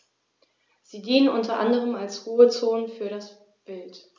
Sie dienen unter anderem als Ruhezonen für das Wild.